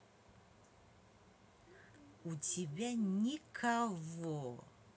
у тебя никакого